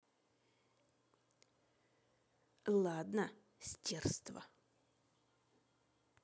ладно стерство